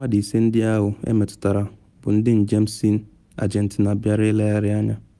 Mmadụ ise nke ndị ahụ emetụtara bụ ndị njem si Argentina bịara ịlegharị anya.